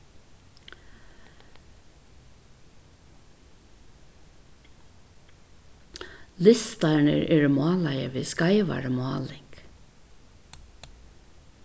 listarnir eru málaðir við skeivari máling